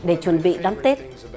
để chuẩn bị đón tết